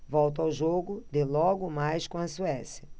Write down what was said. volto ao jogo de logo mais com a suécia